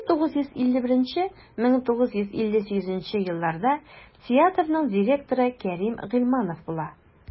1951-1958 елларда театрның директоры кәрим гыйльманов була.